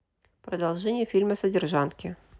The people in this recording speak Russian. продолжение фильма содержанки